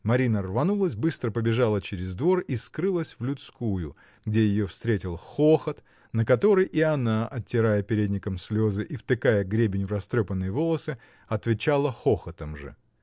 Марина рванулась, быстро пробежала через двор и скрылась в людскую, где ее встретил хохот, на который и она, отирая передником слезы и втыкая гребень в растрепанные волосы, отвечала хохотом же.